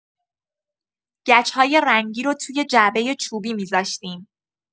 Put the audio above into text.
گچ‌های رنگی رو توی جعبه چوبی می‌ذاشتیم.